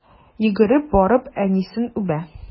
Йөгереп барып әнисен үбә.